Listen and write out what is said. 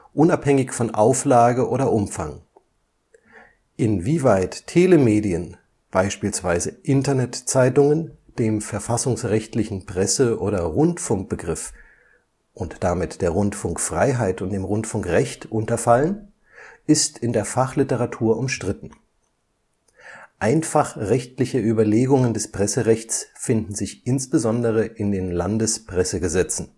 unabhängig von Auflage oder Umfang. Inwieweit Telemedien, beispielsweise Internet-Zeitungen, dem verfassungsrechtlichen Presse - oder Rundfunkbegriff (und damit der Rundfunkfreiheit und dem Rundfunkrecht) unterfallen, ist in der Fachliteratur umstritten. Einfachrechtliche Regelungen des Presserechts finden sich insbesondere in den Landespressegesetzen